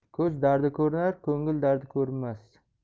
ko'z dardi ko'rinar ko'ngil dardi ko'rinmas